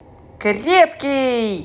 крепкий